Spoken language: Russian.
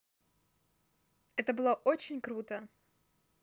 это было очень круто